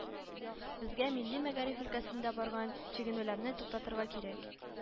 Безгә милли мәгариф өлкәсендә барган чигенүләрне туктатырга кирәк